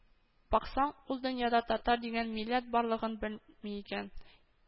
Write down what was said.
Баксаң, ул дөньяда татар дигән милләт барлыгын белми икән